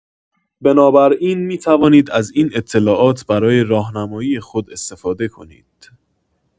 بنابراین می‌توانید از این اطلاعات برای راهنمایی خود استفاده کنید.